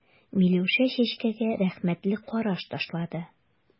Миләүшә Чәчкәгә рәхмәтле караш ташлады.